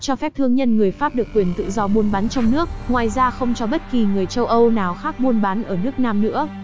cho phép thương nhân người pháp được quyền tự do buôn bán trong nước ngoài ra không cho bất kỳ người châu âu nào khác buôn bán ở nước nam nữa